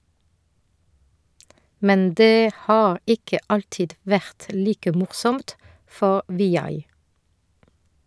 Men det har ikke alltid vært like morsomt for Vijay.